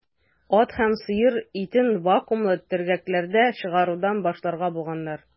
Ат һәм сыер итен вакуумлы төргәкләрдә чыгарудан башларга булганнар.